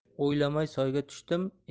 o'ylamay soyga tushdim